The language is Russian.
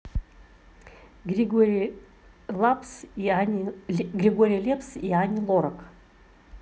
григорий лепс и ани лорак